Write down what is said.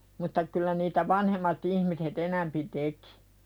mutta kyllä niitä vanhemmat ihmiset enempi teki